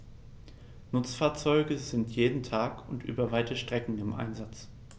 Nutzfahrzeuge sind jeden Tag und über weite Strecken im Einsatz.